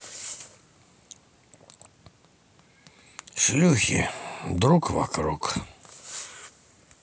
шлюхи друг вокруг